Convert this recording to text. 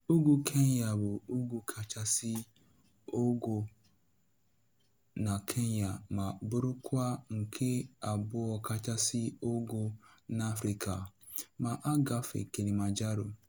Ugwu Kenya bụ ugwu kachasị ogo na Kenya ma bụrụkwa nke abụọ kachasị ogo n'Afrịka, ma a gafee Kilimanjaro.